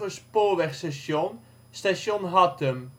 spoorwegstation, Station Hattem